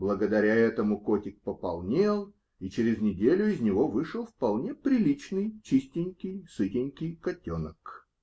Благодаря этому котик пополнел, и через неделю из него вышел вполне приличный, чистенький, сытенький котенок.